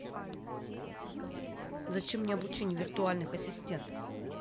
зачем мне обучение виртуальных ассистентов